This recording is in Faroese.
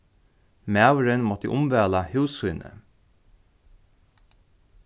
maðurin mátti umvæla hús síni